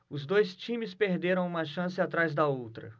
os dois times perderam uma chance atrás da outra